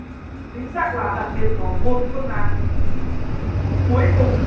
chính xác là đặt tiền vào một phương án cuối cùng